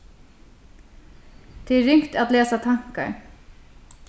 tað er ringt at lesa tankar